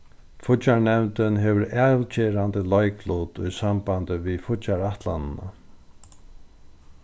fíggjarnevndin hevur avgerandi leiklut í sambandi við fíggjarætlanina